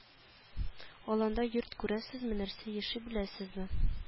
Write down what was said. Аланда йорт күрәсезме нәрсә яши беләсезме